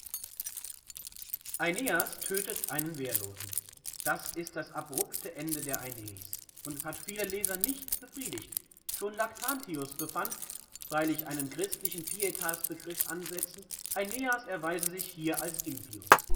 Aeneas tötet einen Wehrlosen. Das ist das abrupte Ende der Aeneis; und es hat viele Leser nicht befriedigt. Schon Lactantius befand, freilich einen christlichen pietas-Begriff ansetzend, Aeneas erweise sich hier als impius